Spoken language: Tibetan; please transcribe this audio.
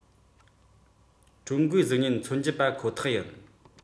ཀྲུང གོའི གཟུགས བརྙན མཚོན གྱི པ ཁོ ཐག ཡིན